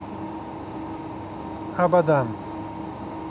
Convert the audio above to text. абадан